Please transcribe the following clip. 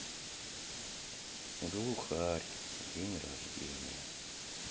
глухарь день рождения